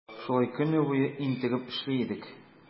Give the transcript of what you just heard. Шулай көне буе интегеп эшли идек.